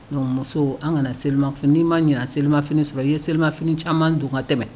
Dɔnku musow an kana selimaf'i ma ɲin selimaf sɔrɔ i ye selimaf caman don ka tɛmɛ